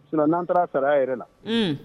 S n'an taara saya yɛrɛ la